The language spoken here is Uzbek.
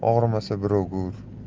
ur og'rimasa birovga ur